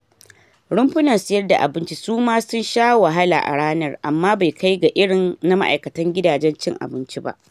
Rumfunan sayar da abinci suma sun sha wahala a ranar, amma bai kai ga irin na ma’ikatan gidajen cin abinci ba.